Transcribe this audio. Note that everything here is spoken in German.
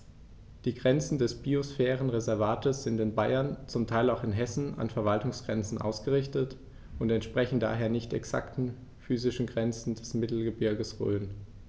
Die Grenzen des Biosphärenreservates sind in Bayern, zum Teil auch in Hessen, an Verwaltungsgrenzen ausgerichtet und entsprechen daher nicht exakten physischen Grenzen des Mittelgebirges Rhön.